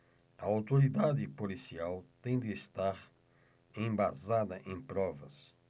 a autoridade policial tem de estar embasada em provas